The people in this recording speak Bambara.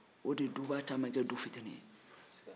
o de ye duba caman kɛ du fitinin ye